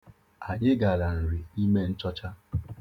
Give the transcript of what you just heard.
Anyị gara Nri ime nchọcha.